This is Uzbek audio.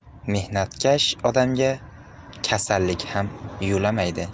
mehnatkash odamga kasallik ham yo'lamaydi